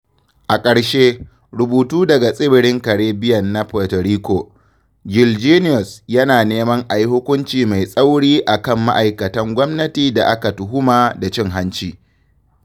A ƙarshe, rubutu daga tsibirin Carbbean na Puerto Rico, Gil Jenius yana neman ayi hukunci mai tsauri a kan ma'aikatan gwamnati da aka tuhuma da cin-hanci